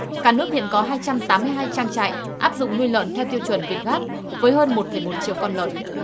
cả nước hiện có hai trăm tám mươi hai trang trại áp dụng nuôi lợn theo tiêu chuẩn việt gáp với hơn một phẩy một triệu con lợn